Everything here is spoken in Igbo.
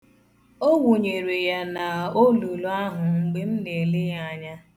O wụnyere ya n'olulu ahụ mgbe m na-ele ya anya.